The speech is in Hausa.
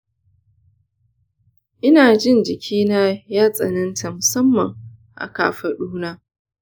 ina jin jikina ya tsananta musamman a kafaduna.